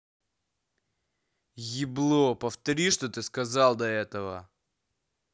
ебло повтори что ты сказал до этого